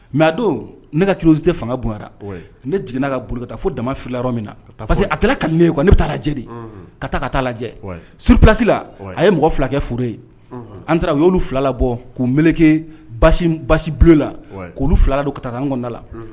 Mɛ a don ne ka kisi tɛ fanga bonyara ne jiginna ka bolota fo dama fili yɔrɔ min na parce que a tila kale ye kuwa ne bɛ taa jateri ka ka taa lajɛ su plasila a ye mɔgɔ filakɛ furu ye an taara u y'olu filala bɔ k'ubeleke basibula k'olu filala don ka taa nɔnda la